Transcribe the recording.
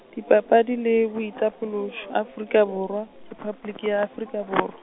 Dipapadi le Boitapološo Afrika Borwa, Repabliki ya Afrika Borwa.